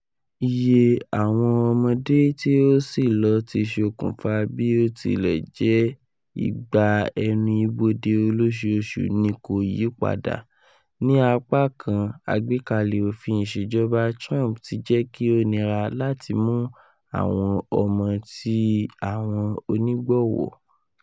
Iye awọn ọmọde ti o ṣilọ ti ṣokunfa bi o tilẹ jẹ igba ẹnu ibode oloṣooṣu ni ko yii pada, ni apakan agbekalẹ ofin iṣejọba Trump t jẹ ki o nira lati mu awọn ọmọ ti awon onigbọwọ.